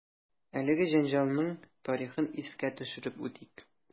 Әлеге җәнҗалның тарихын искә төшереп үтик.